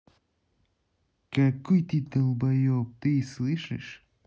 какой ты долбоеб ты слышишь